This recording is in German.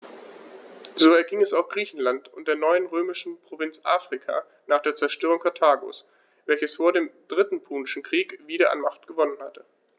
So erging es auch Griechenland und der neuen römischen Provinz Afrika nach der Zerstörung Karthagos, welches vor dem Dritten Punischen Krieg wieder an Macht gewonnen hatte.